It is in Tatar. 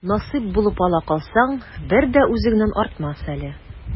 Насыйп булып ала калсаң, бер дә үзеңнән артмас әле.